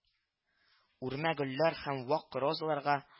Үрмә гөлләр һәм вак розаларга